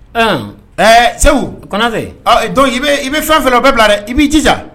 Ɛɛ ɛɛ segu kɔnɔnase dɔnkuc i bɛ fɛn fɛ o bɛɛ bila dɛ i b'i ci sa